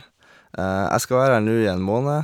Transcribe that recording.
Jeg skal være her nå i en måned.